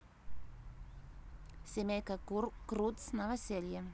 семейка крудс новоселье